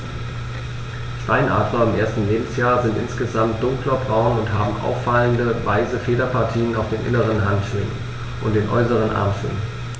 Steinadler im ersten Lebensjahr sind insgesamt dunkler braun und haben auffallende, weiße Federpartien auf den inneren Handschwingen und den äußeren Armschwingen.